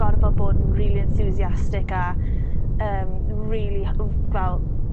gorfod bod yn rili enthusiastic a, yym rili w- fel